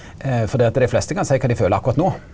fordi at dei fleste kan seie kva dei føler akkurat no.